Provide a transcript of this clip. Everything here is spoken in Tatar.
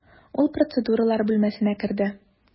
Ул процедуралар бүлмәсенә керде.